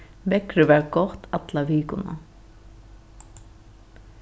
veðrið var gott alla vikuna